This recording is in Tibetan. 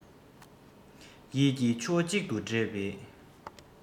ཡིད ཀྱི ཆུ བོ གཅིག ཏུ འདྲེས པའི